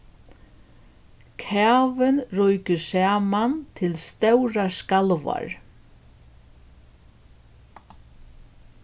kavin rýkur saman til stórar skalvar